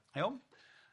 Iawn?